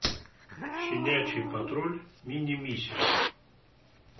щенячий патруль мини миссия